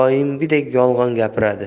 doimgidek yolg'on gapiradi